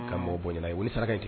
Ka mɔ bonyay a ye wuli saraka ye ten